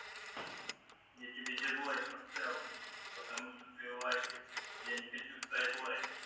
я тебе дизлайк поставил потому что ты лайкает я не хочу ставить лайк